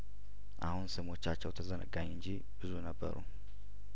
አሁን ስሞቻቸው ተዘነጋኝ እንጂ ብዙ ነበሩ